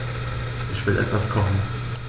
Ich will etwas kochen.